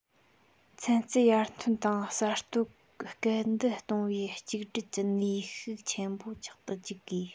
ཚན རྩལ ཡར ཐོན དང གསར གཏོད སྐུལ འདེད གཏོང བའི གཅིག སྒྲིལ གྱི ནུས ཤུགས ཆེན པོ ཆགས སུ འཇུག དགོས